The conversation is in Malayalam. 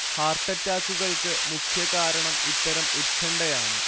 ഹാർട്ടറ്റാക്കുകൾക്ക് മുഖ്യ കാരണം ഇത്തരം ഉത്കണഠയാണ്